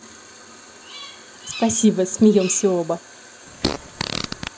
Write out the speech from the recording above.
спасибо смеемся оба